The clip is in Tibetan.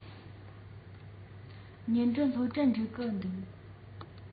ཉི སྒྲོན སློབ གྲྭར འགྲོ གི འདུག